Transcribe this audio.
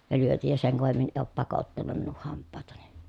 ja lyötin ja sen kovemmin ei ole pakottanut minun hampaitani